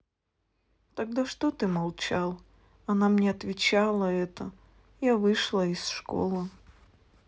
тогда что ты молчал она мне отвечала это я вышла из школы